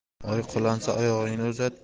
oy qulansa oyog'ingni uzat